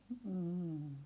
mm